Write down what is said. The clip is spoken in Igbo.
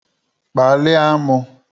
kpàlị amụ̄